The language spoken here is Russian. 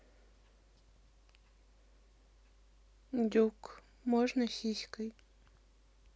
duke можно сиськой